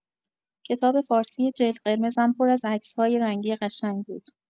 کتاب فارسی جلد قرمزم پر از عکس‌های رنگی قشنگ بود.